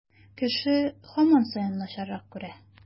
Кеше һаман саен начаррак күрә.